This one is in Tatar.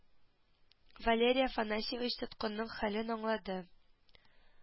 Валерий афанасьевич тоткынның хәлен аңлады